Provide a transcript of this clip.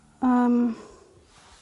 Yym.